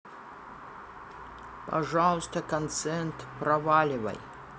пожалуйста концерт проваливай